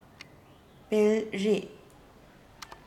སྤེལ རེས